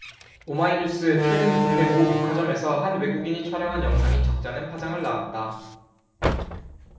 오마이뉴스 최근 국내 모 백화점에서 한 외국인이 촬영한 영상이 적잖은 파장을 낳았다